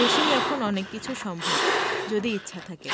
দেশেই এখন অনেক কিছু সম্ভব যদি ইচ্ছা থাকে